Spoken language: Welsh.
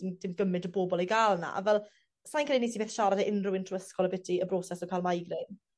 d'm dim gymint o bobol i ga'l 'na a fel sai'n credu nes i byth siarad â unryw un trw ysgol abyti y broses o ca'l migraine.